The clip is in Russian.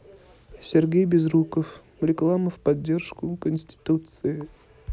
сергей безруков реклама в поддержку конституции